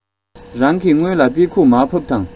རང གི སྔོན ལ དཔེ ཁུག མར ཕབ དང